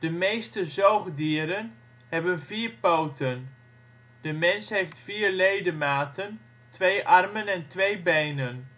meeste zoogdieren hebben vier poten. De mens heeft vier ledematen: twee armen en twee benen